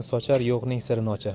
sochar yo'qning sirini ochar